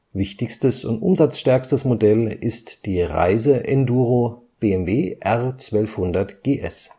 Wichtigstes und umsatzstärkstes Modell ist die Reiseenduro BMW R 1200 GS